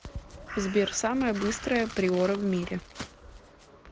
сбер самая быстрая приора в мире